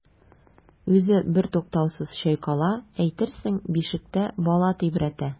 Үзе бертуктаусыз чайкала, әйтерсең бишектә бала тибрәтә.